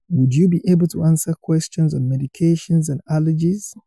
Would you be able to answer questions on medications and allergies?